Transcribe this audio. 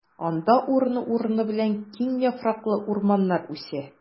Анда урыны-урыны белән киң яфраклы урманнар үсә.